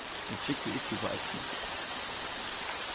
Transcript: eg trúgvi ikki upp á eydnu